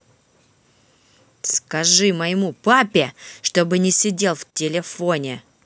скажи моему папе чтобы не сидел в телефоне